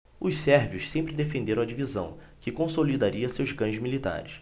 os sérvios sempre defenderam a divisão que consolidaria seus ganhos militares